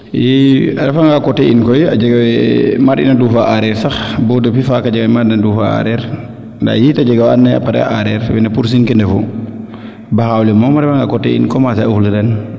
i a refa nga coté in koy a jega wee mbar ina nduufa areer sax bo depuis faak a jega waa maad na ndufa areer nda yit a jega waa and naye a pare a areer wene pursiin ke ndefu baxaw le moom a refa nga coté in i commencer a fuliran